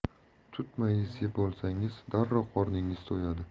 tutmayizni yeb olsangiz darrov qorningiz to'yadi